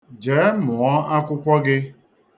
Jee, mụọ akwụkwọ gị.